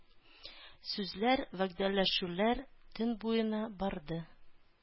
Сүзләр, вәгъдәләшүләр төн буена барды.